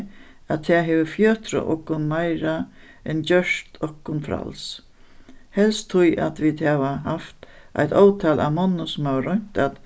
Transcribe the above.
at tað hevur fjøtrað okum meira enn gjørt okkum fræls helst tí at vit hava havt eitt ótal av monnum sum hava roynt at